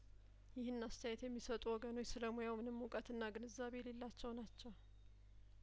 ይህን አስተያየት የሚሰጡ ወገኖች ስለሙያው ምንም እውቀትና ግንዛቤ የሌላቸው ናቸው